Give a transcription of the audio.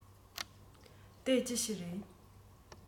དེ ཅི ཞིག རེད